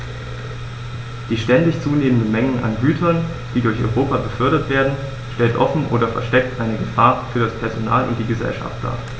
Die ständig zunehmende Menge an Gütern, die durch Europa befördert werden, stellt offen oder versteckt eine Gefahr für das Personal und die Gesellschaft dar.